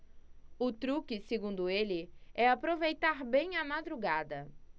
o truque segundo ele é aproveitar bem a madrugada